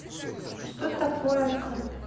что такое k